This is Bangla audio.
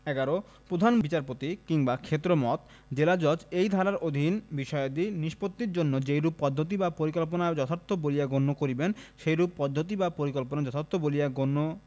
১১ প্রধান বিচারপতি কিংবা ক্ষেত্রমত জেলাজজ এই ধারার অধীন বিষয়াদি নিষ্পত্তির জন্য যেইরূপ পদ্ধতি বা পরিকল্পনা যথার্থ বলিয়া গণ্য করিবেন সেইরূপ পদ্ধতি বা পরিকল্পনা যথার্থ বলিয়া গণ্য